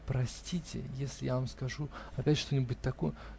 -- Простите, если я вам скажу опять что-нибудь такое.